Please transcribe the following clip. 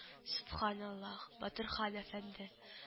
- сөбханаллаһ!.. батырхан әфәнде